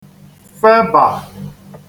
febà